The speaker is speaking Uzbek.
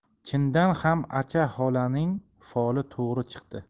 chindan ham acha xolaning foli to'g'ri chiqdi